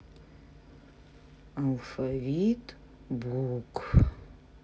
алфавит букв